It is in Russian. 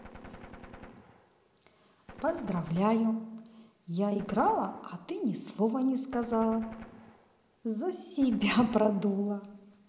поздравляю я играла а ты ни слова не сказала за себя продула